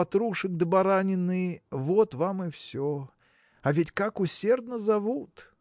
ватрушек да баранины – вот вам и все! А ведь как усердно зовут!